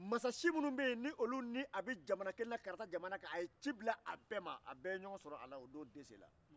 masa minnu b'ɛ karata jamana kan a ye ci bila a bɛɛ ma a bɛɛ ye jɔgɔn sɔrɔ dese la